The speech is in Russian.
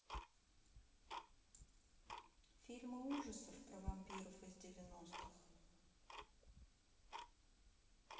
фильмы ужасов про вампиров из девяностых